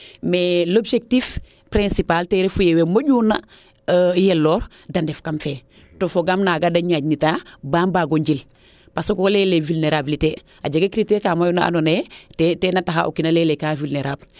mais l' objectif principale te refu yee wee moƴuna yeloor de ndef kam fee to fogaam naaga de ñaaƴ nitaa baa mbaago njil parce :far que ko leyele vulnerablité a jega critere mayu ka aando naye teena taxa o kiina leyele kaa vulnerable